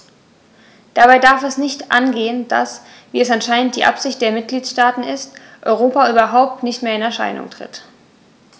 Dabei darf es nicht angehen, dass - wie es anscheinend die Absicht der Mitgliedsstaaten ist - Europa überhaupt nicht mehr in Erscheinung tritt.